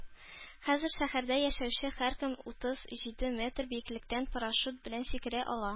Хәзер шәһәрдә яшәүче һәркем утыз җиде метр биеклектән парашют белән сикерә ала